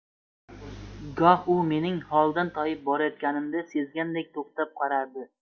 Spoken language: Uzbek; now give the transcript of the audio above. goh goh u mening holdan toyib borayotganimni sezgandek to'xtab qarardi